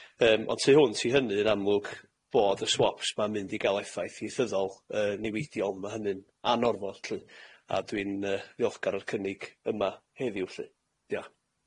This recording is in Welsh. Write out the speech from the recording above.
Yym, ond tu hwnt i hynny yn amlwg bod y swops ma'n mynd i ga'l effaith ieithyddol yy niweidiol, ma' hynny'n anorfod lly, a dwi'n yy ddiolchgar o'r cynnig yma heddiw lly. Dioch.